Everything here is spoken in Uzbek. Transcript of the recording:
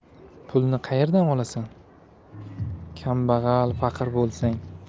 pulni qaerdan olasan kambag'al faqir bo'lsang